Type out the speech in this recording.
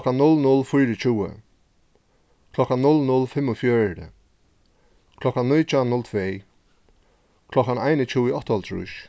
klokkan null null fýraogtjúgu klokkan null null fimmogfjøruti klokkan nítjan null tvey klokkan einogtjúgu áttaoghálvtrýss